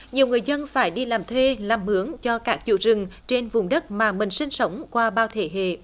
nhiều người dân phải đi làm thuê làm mướn cho các chủ rừng trên vùng đất mà mình sinh sống qua bao thế hệ